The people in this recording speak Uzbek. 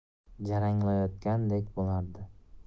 jaranglayotgandek bo'lardi